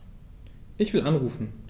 Ich will anrufen.